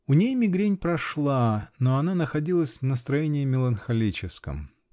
У ней мигрень прошла, но она находилась в настроении меланхолическом.